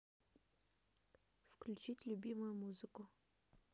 включить любимую музыку